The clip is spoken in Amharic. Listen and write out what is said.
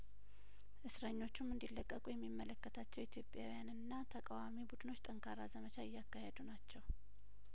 እስረኞቹም እንዲ ለቀቁ የሚመለከታቸው ኢትዮጵያውያን እና ተቃዋሚ ቡድኖች ጠንካራ ዘመቻ እያካሄዱ ናቸው